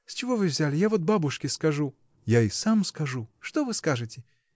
С чего вы взяли, я вот бабушке скажу! — Я и сам скажу! — Что вы скажете?